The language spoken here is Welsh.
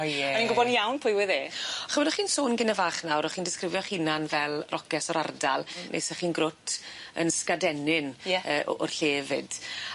O ie. O'n i'n gwbo yn iawn pwy wedd e. Ch'mod o'ch chi'n sôn gyne fach nawr o'ch chi'n disgrifio'ch hunan fel roces o'r ardal ne' sech chi'n grwt yn sgadennin. Ie. yy o- o'r lle efyd.